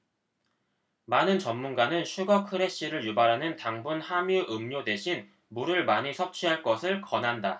많은 전문가는 슈거 크래시를 유발하는 당분 함유 음료 대신 물을 많이 섭취할 것을 권한다